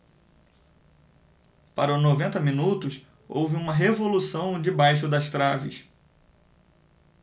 para noventa minutos houve uma revolução debaixo das traves